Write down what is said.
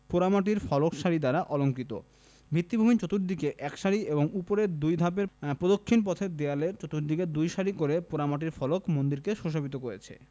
পোড়ামাটির ফলক সারি দ্বারা অলঙ্কৃত ভিত্তিভূমির চতুর্দিকে এক সারি এবং উপরের দুই ধাপের প্রদক্ষিণ পথের দেয়ালের চতুর্দিকে দুই সারি করে পোড়ামাটির ফলক মন্দিরকে সুশোভিত করেছে